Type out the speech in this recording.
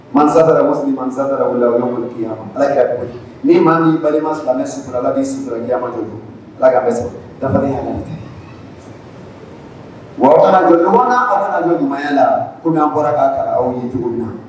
Masatasiri masasa ala ni ma ni balima fila sila la bi simato ala ka ɲɔgɔn ɲumanya la komi y' bɔra k'a aw ye cogo min na